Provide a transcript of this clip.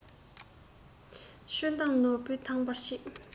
ཆུ མདངས ནོར བུས དྭངས པར བྱེད